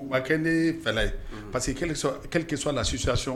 Wa kɛ ne ye fɛ ye parce que kesɔ lasisi